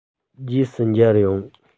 རྗེས སུ མཇལ ཡོང